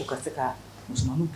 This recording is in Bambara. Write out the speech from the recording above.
Ka se ka z